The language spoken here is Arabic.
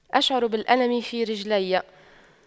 أشعر بالألم في رجلي